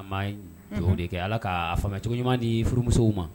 A ma jɔn kɛ ala k kaa faama cogo ɲuman di furu musoww ma